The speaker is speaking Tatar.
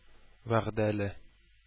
Вәгъдәле